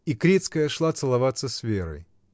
И Крицкая шла целоваться с Верой.